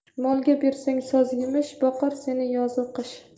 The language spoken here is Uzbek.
molga bersang soz yemish boqar seni yoz u qish